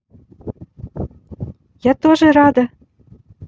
я тоже рада